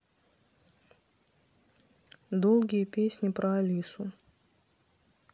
долгие песни про алису